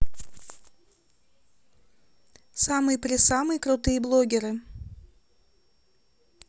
самые присамые крутые блогеры